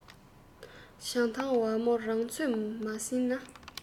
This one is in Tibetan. བྱང ཐང ཝ མོ རང ཚོད མ ཟིན ན